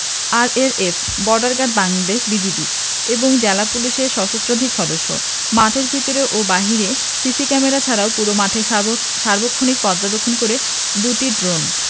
RRF border guard Bangladesh BGB এবং জেলা পুলিশের সহস্রাধিক সদস্য মাঠের ভেতর ও বাইরে সিসি ক্যামেরা ছাড়াও পুরো মাঠ সার্বক্ষণিক পর্যবেক্ষণ করে দুটি ড্রোন